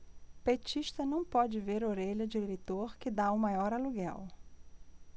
petista não pode ver orelha de eleitor que tá o maior aluguel